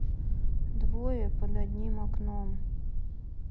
двое под одним окном